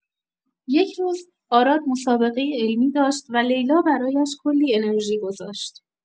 یک روز، آراد مسابقۀ علمی داشت و لیلا برایش کلی انرژی گذاشت.